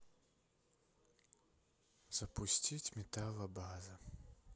запустить металлобаза